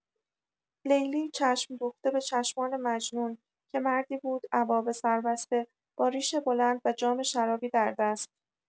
لیلی، چشم دوخته به چشمان مجنون، که مردی بود عبا به سر بسته، با ریش بلند و جام شرابی در دست.